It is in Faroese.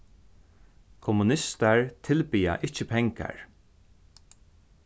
kommunistar tilbiðja ikki pengar